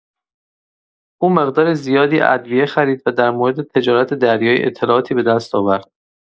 او مقدار زیادی ادویه خرید و در مورد تجارت دریایی اطلاعاتی به دست آورد.